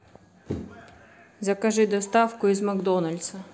закажи доставку из макдональдса